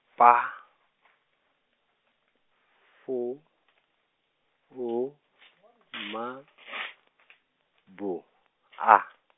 P, F, U , M, B, A.